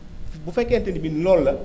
bu fekkente ne bi loolu la